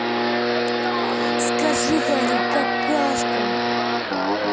скажи ваня какашка